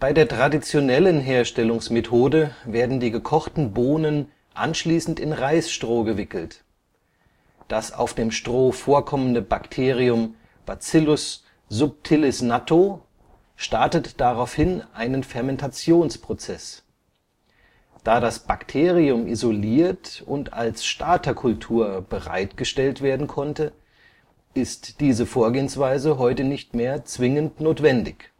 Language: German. der traditionellen Herstellungsmethode werden die gekochten Bohnen anschließend in Reisstroh gewickelt. Das auf dem Stroh vorkommende Bakterium Bacillus subtilis natto startet daraufhin einen Fermentationsprozess. Da das Bakterium isoliert und als Starterkultur bereitgestellt werden konnte, ist diese Vorgehensweise heute nicht mehr zwingend notwendig